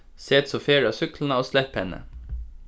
set so ferð á súkkluna og slepp henni